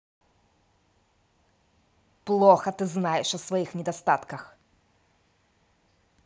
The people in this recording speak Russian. плохо ты знаешь о своих недостатках